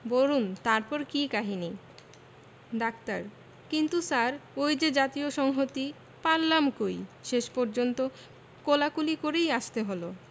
বুলন তারপর কি কাহিনী ডাক্তার কিন্তু স্যার ওই যে জাতীয় সংহতি পারলাম কই শেষ পর্যন্ত কোলাকুলি করেই আসতে হলো